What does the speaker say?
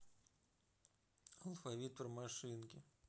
алфавит про машинки